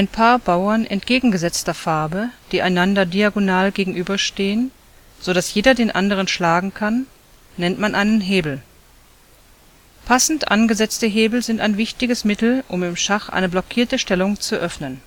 Paar Bauern entgegengesetzter Farbe, die einander diagonal gegenüber stehen, so dass jeder den anderen schlagen kann, nennt man einen Hebel. Passend angesetzte Hebel sind ein wichtiges Mittel, um im Schach eine blockierte Stellung zu öffnen